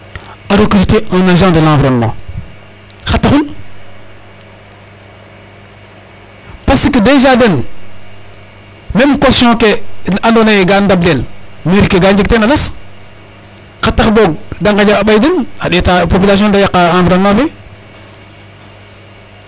A recruter un agent de l' environnement xa taxun parce que dèjà den meme caution ke da ndabdel mairie fe ka jeg teen a las .Xar tax bog da nqaƴa xa ɓay den a ɗeeta population ne da yaqaa environnement fe.